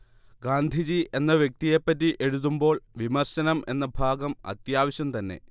ഗാന്ധിജി എന്ന വ്യക്തിയെ പറ്റി എഴുതുമ്പോൾ വിമർശനം എന്ന ഭാഗം അത്യാവശ്യം തന്നെ